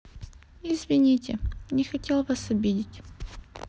извините не хотел вас обидеть